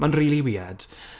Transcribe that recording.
Mae'n really weird.